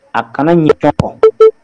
A kana ɲi tɔgɔ kɔ